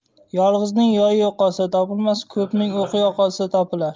yolg'izning yoyi yo'qolsa topilmas ko'pning o'qi yo'qolsa topilar